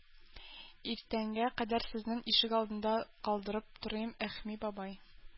Иртәнгә кадәр сезнең ишек алдында калдырып торыйм, Әхми бабай.